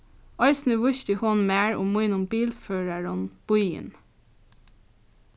eisini vísti hon mær og mínum bilførarum býin